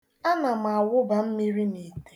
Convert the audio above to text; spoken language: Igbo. Ana m awụba mmiri na ite.